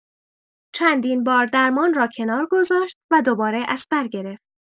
چندین بار درمان را کنار گذاشت و دوباره از سر گرفت.